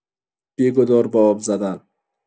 بی‌گدار به آب زدن